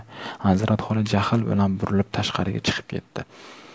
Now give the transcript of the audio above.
anzirat xola jahl bilan burilib tashqariga chiqib ketdi